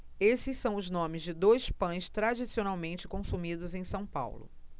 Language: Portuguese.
esses são os nomes de dois pães tradicionalmente consumidos em são paulo